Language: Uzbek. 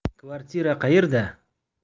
kvartira qayerda